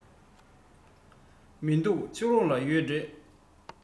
མི འདུག ཕྱི ལོགས ལ ཡོད རེད